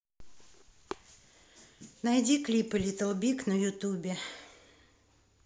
найди клипы литл биг на ютубе